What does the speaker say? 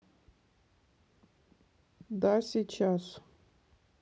да сейчас